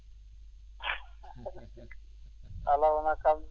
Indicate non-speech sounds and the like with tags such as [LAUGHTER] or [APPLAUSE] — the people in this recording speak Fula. [LAUGHS] alaa wona kambo de [LAUGHS]